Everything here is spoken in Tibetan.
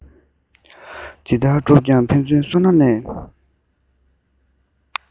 ཇི ལྟར བསྒྲུབས ཀྱང ཕན ཚུན སོ ན གནས